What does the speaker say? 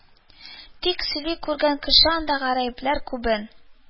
Тик сөйли күргән кеше анда гараибләр күбен,